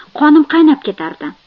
qonim qaynab ketardi